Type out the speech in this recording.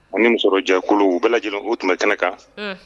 U ni musɔrɔjɛkulu u bɛɛ lajɛlen u tun be kɛnɛ kan unh